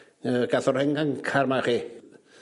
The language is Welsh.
yy gath o'r hen gancr 'ma y' chi